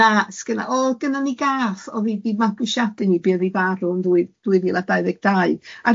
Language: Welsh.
Na, sgynna- o' gynno ni gath o'dd hi wedi'i magwysiadu ni buo hi farw yn ddwy dwy fil a dau ddeg dau.